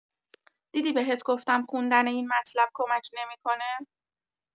دیدی بهت گفتم خوندن این مطلب کمکی نمی‌کنه!